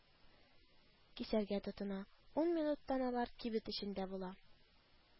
Кисәргә тотына, ун минуттан алар кибет эчендә була